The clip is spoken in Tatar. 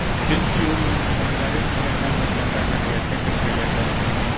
Чөнки ул мөмкинлекләре чикләнгән затларга җәмгыятькә керергә ярдәм итә.